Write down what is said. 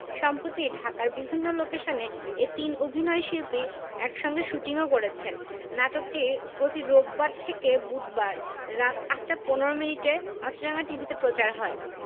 সম্প্রতি ঢাকার বিভিন্ন লোকেশনে এ তিন অভিনয়শিল্পী একসঙ্গে শুটিংও করেছেন নাটকটি প্রতি রোববার থেকে বুধবার রাত ৮টা ১৫ মিনিটে মাছরাঙা টিভিতে প্রচার হয়